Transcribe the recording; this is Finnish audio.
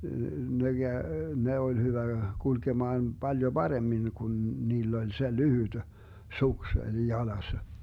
ne kävi ne oli hyvä kulkemaan paljon paremmin kun niillä oli se lyhyt suksi oli jalassa